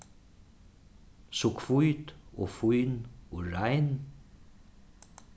so hvít og fín og rein